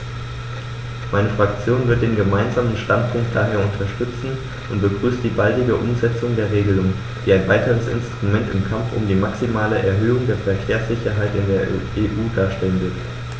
Meine Fraktion wird den Gemeinsamen Standpunkt daher unterstützen und begrüßt die baldige Umsetzung der Regelung, die ein weiteres Instrument im Kampf um die maximale Erhöhung der Verkehrssicherheit in der EU darstellen wird.